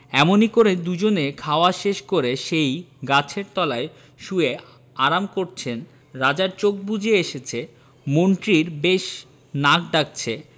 এমনি করে দুজনে খাওয়া শেষ করে সেই গাছের তলায় শুয়ে আরাম করছেন রাজার চোখ বুজে এসেছে মন্ত্রীর বেশ নাক ডাকছে